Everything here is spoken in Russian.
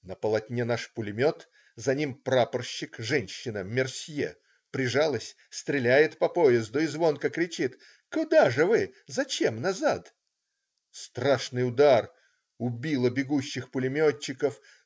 На полотне наш пулемет, за ним прапорщик-женщина Мерсье, прижалась, стреляет по поезду и звонко кричит: "Куда же вы?! Зачем назад!. " Страшный удар. Убило бегущих пулеметчиков.